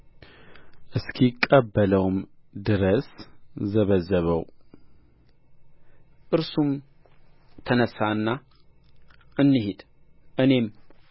እስኪቀበለውም ድረስ ዘበዘበው እርሱም ተነሣና እንሂድ እኔም